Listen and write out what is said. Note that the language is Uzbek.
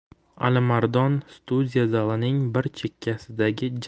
alimardon studiya zalining bir chekkasidagi